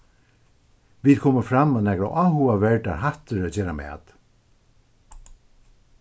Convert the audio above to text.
vit komu fram á nakrar áhugaverdar hættir at gera mat